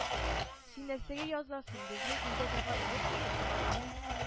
— син нәрсәгә язгансың! безнең илдә кәгазь юкмыни? —